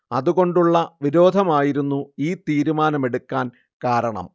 അതുകൊണ്ടുള്ള വിരോധമായിരുന്നു ഈ തീരുമാനമെടുക്കാൻ കാരണം